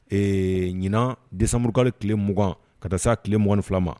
Ee ɲinan décembre tile 20 ka taa se a tile 22 ma